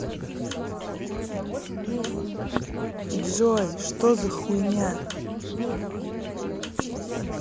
джой что за хуйня